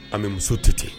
A bɛɛ muso tɛ ten